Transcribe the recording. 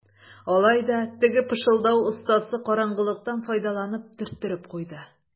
Алай да теге пышылдау остасы караңгылыктан файдаланып төрттереп куйды.